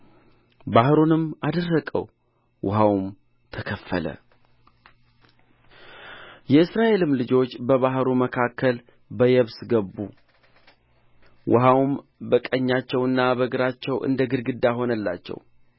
ባሕሩንም አደረቀው ውኃውም ተከፈለ የእስራኤልም ልጆች በባሕሩ መካከል በየብስ ገቡ ውኃውም በቀኛቸውና በግራቸው እንደ ግድግዳ ሆነላቸው